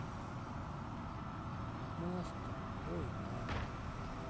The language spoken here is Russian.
маста война